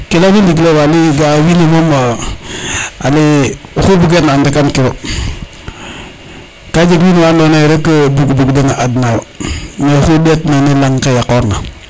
ke leyona ndigilo Waly ga'a wiin we moom ale oxu bugeer na and rek an kiro ka jeg wiin wa ando naye ye rek bug bug den a ad nayo mais oxu ndeex na ne laŋke yakor nayo